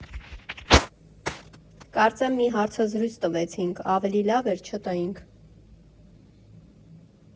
Կարծեմ մի հարցազրույց տվեցինք, ավելի լավ էր չտայինք։